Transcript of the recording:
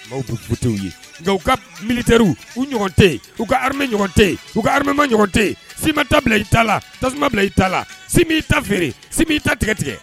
Kojugutew ye nka u ka mitr u ɲɔgɔn tɛ uu ka halima ɲɔgɔn tɛ uu ka hama ɲɔgɔn tɛ si ma tabila i ta la tasuma bila i tala si ii ta feere si bi tatigɛtigɛ